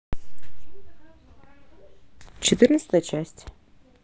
четырнадцатая часть